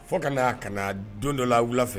Fo ka ka na don dɔ la wula fɛ